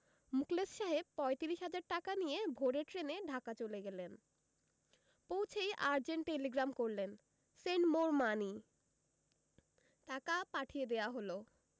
মুখলেস সাহেব পয়ত্রিশ হাজার টাকা নিয়ে ভোরের ট্রেনে ঢাকা চলে গেলেন পৌছেই আর্জেন্ট টেলিগ্রাম করলেন সেন্ড মোর মানি টাকা পাঠিয়ে দেয়া হল